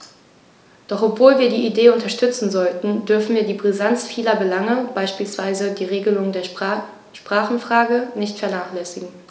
Doch obwohl wir die Idee unterstützen sollten, dürfen wir die Brisanz vieler Belange, beispielsweise die Regelung der Sprachenfrage, nicht vernachlässigen.